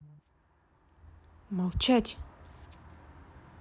молчать